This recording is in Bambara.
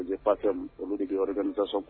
J'ai pas tellement olu de bi organisation